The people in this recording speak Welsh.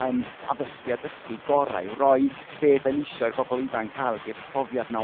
yym addysgu a dysgu gorau i'w roi be 'da ni isio i'r bobol ifanc ca'l ydi'r profiad 'na